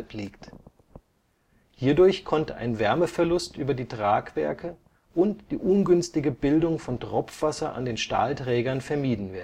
liegt. Hierdurch konnte ein Wärmeverlust über die Tragwerke und die ungünstige Bildung von Tropfwasser an den Stahlträgern vermieden